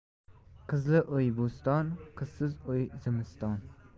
qizli uy bo'ston qizsiz uy zimiston